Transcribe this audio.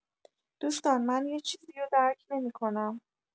دوستان من یه چیزیو درک نمی‌کنم.